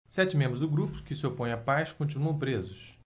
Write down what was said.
sete membros do grupo que se opõe à paz continuam presos